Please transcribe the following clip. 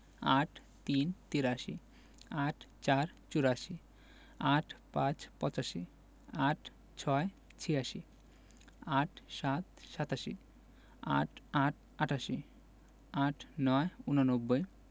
৮৩ – তিরাশি ৮৪ – চুরাশি ৮৫ – পঁচাশি ৮৬ – ছিয়াশি ৮৭ – সাতাশি ৮৮ – আটাশি ৮৯ – ঊননব্বই